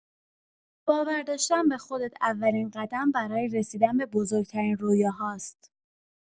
باور داشتن به خودت اولین قدم برای رسیدن به بزرگ‌ترین رؤیاهاست.